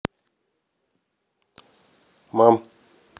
мам